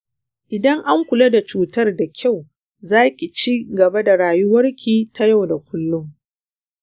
idan an kula da cutar da kyau, za ki ci gaba da rayuwarki ta yau da kullum.